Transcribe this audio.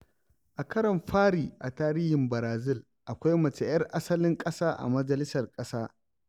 A karon fari a tarihin Barazil, akwai mace 'yar asalin ƙasa a majalisar ƙasa.